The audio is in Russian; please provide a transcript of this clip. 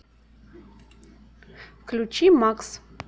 включи макс